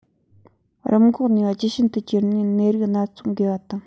རིམས འགོག ནུས པ ཇེ ཞན དུ གྱུར ནས ནད རིགས སྣ ཚོགས འགོས པ དང